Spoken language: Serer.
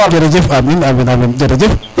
jerejef amin amin jerejef